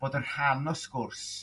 bod yn rhan o sgwrs